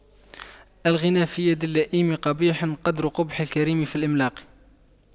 الغنى في يد اللئيم قبيح قدر قبح الكريم في الإملاق